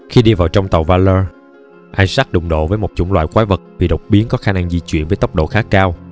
khi đi vào trong tàu valor isaac đụng độ với một chủng loại quái vật bị đột biến có khả năng di chuyển với tốc độ khá cao